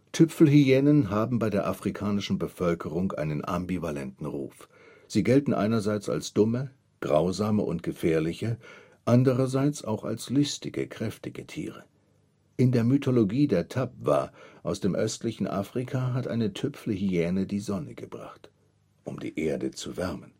Tüpfelhyänen haben bei der afrikanischen Bevölkerung einen ambivalenten Ruf. Sie gelten einerseits als dumme, grausame und gefährliche, andererseits auch als listige, kräftige Tiere. In der Mythologie der Tabwa aus dem östlichen Afrika hat eine Tüpfelhyäne die Sonne gebracht, um die Erde zu wärmen